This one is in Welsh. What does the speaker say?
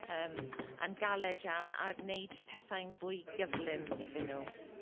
Yym yn galed iawn a wneud pethau'n fwy gyflym iddyn nhw.